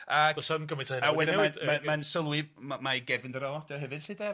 A... Do's 'am gymaint o hynna ...mae mae'n sylwi m- mae gefndir o 'di o hefyd 'lly de?